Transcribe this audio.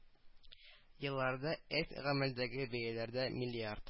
- елларда этп гамәлдәге бәяләрдә млрд